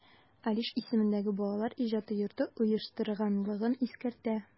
Алиш исемендәге Балалар иҗаты йорты оештырганлыгын искәртә.